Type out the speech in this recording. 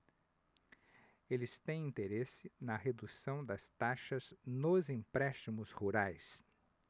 eles têm interesse na redução das taxas nos empréstimos rurais